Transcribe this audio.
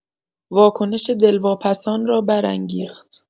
واکنش دلواپسان را برانگیخت